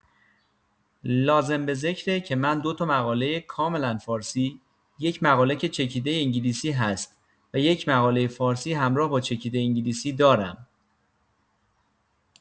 لازم به ذکره که من دو تا مقاله کاملا فارسی، یک مقاله که چکیده انگلیسی هست و یک مقاله فارسی همراه با چکیده انگلیسی دارم.